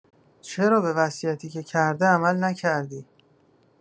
چرا به وصیتی که کرده عمل نکردی؟